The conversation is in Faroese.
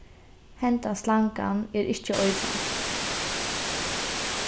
hendan slangan er ikki eitrandi